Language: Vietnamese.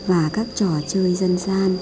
và các trò chơi dân gian